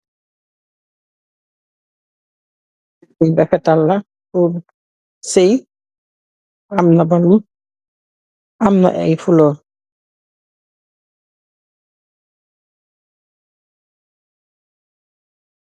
Lii rafehtal la pur Seyy, amna balloon, amna aiiy fleur.